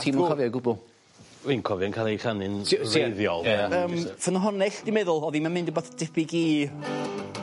...ti'm yn cofio 'i o gwbwl? Wi'n cofio'n ca'l ei chanu'n wreiddiol ie yym. Ffynhonnell dwi meddwl o'dd ddim yn mynd wbath debyg i